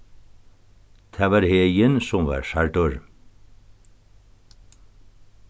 tað var heðin sum varð særdur